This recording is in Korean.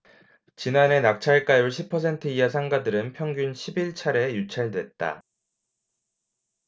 지난해 낙찰가율 십 퍼센트 이하 상가들은 평균 십 일 차례 유찰됐다